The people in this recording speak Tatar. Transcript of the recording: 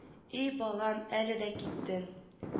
И балам әле дә киттең